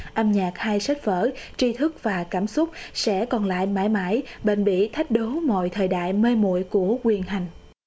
âm nhạc hay sách vở tri thức và cảm xúc sẽ còn lại mãi mãi bền bỉ thách đố mọi thời đại mê muội của quyền hành